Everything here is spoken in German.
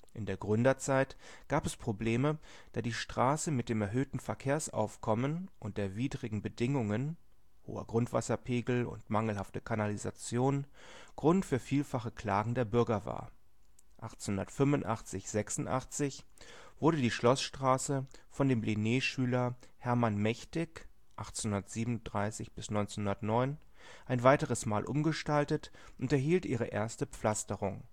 In der Gründerzeit gab es Probleme, da die Straße mit dem erhöhten Verkehrsaufkommen und der widrigen Bedingungen (hoher Grundwasserpegel und mangelhafte Kanalisation) Grund für vielfache Klagen der Bürger war. 1885 – 86 wurde die Schloßstraße von dem Lenné-Schüler Hermann Mächtig (1837 – 1909) ein weiteres Mal umgestaltet und erhielt ihre erste Pflasterung